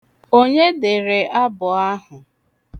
Onye dere abụ ahụ?